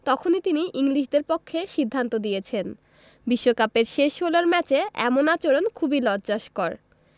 তখনই তিনি ইংলিশদের পক্ষে সিদ্ধান্ত দিয়েছেন বিশ্বকাপের শেষ ষোলর ম্যাচে এমন আচরণ খুবই লজ্জাস্কর